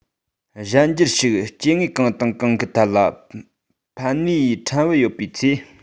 གཞན འགྱུར ཞིག སྐྱེ དངོས གང དང གང གི ཐད ལ ཕན ནུས ཕྲན བུ ཡོད པའི ཚེ